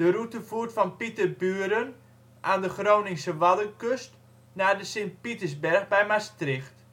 route voert van Pieterburen aan de Groningse Waddenkust naar de Sint Pietersberg bij Maastricht